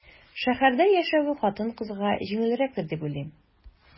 Шәһәрдә яшәве хатын-кызга җиңелрәктер дип уйлыйм.